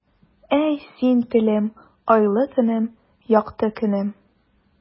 Әй, син, телем, айлы төнем, якты көнем.